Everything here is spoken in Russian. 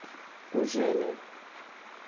ужели